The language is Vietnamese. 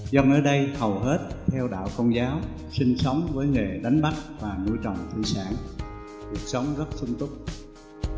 dân ở đây hầu hết theo đạo công giáo sinh sống với nghề đánh bắt và nuôi trồng thủy sản cuộc sống rất đầy đủ no ấm và phồn thình